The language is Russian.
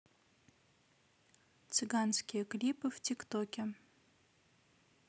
цыганские клипы в тик токе